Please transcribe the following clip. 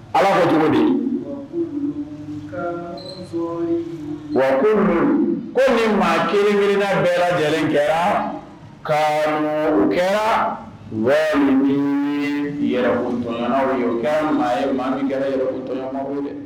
Ala ka cogo di karamɔgɔ wa ko ni maa kelen grinna bɛɛ lajɛlen kɛra karamɔgɔ kɛra bɛ maa ye maa kɛra